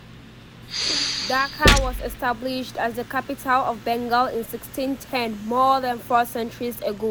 Dhaka was established as the capital of Bengal in 1610, more than four centuries ago.